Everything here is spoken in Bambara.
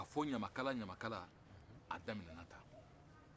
a ka fɔ ɲamakala ɲamakala a daminɛna ta